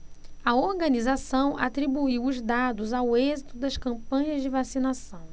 a organização atribuiu os dados ao êxito das campanhas de vacinação